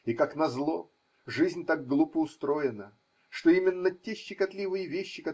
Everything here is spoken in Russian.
И, как назло, жизнь так глупо устроена, что именно те щекотливые вещи.